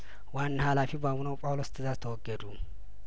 ዋና ሀላፊው በአቡነ ጳውሎስ ትእዛዝ ተወገዱ